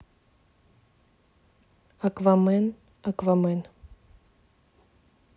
аквамен аквамен